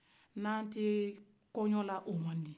n'an tɛ kɔɲɔ la o man di